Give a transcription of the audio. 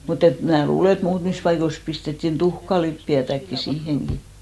mutta että minä luulen että muutamissa paikoissa pistettiin tuhkalipeätäkin siihenkin